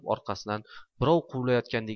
orqasidan birov quvayotgandek